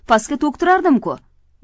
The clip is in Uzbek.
pastga to'ktirardim ku